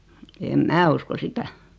en minä usko sitä